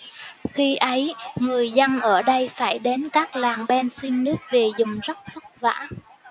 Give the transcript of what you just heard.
khi ấy người dân ở đây phải đến các làng bên xin nước về dùng rất vất vả